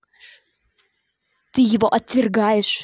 ты его отвергаешь